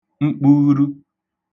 mkpughuru